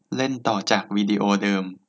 เล่นต่อจากวิดีโอเดิม